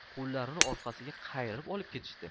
qo'llarini orqasiga qayirib olib ketishdi